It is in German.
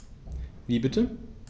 Wie bitte?